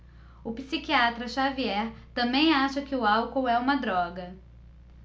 o psiquiatra dartiu xavier também acha que o álcool é uma droga